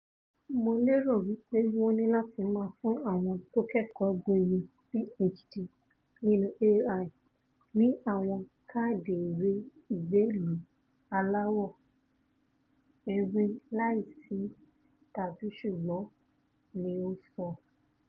Mo lérò wí pé wọ́n ní làtí máa fún àwọn tó kẹ́kọ̀ọ́ gboyè PhD nínú AI ni àwọn káàdi ìwé ìgbé-ìlú aláwọ̀ ewé láìsí tàbí-ṣùgbọ́n, ni ó sọ.